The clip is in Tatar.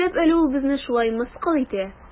Нишләп әле ул безне шулай мыскыл итә?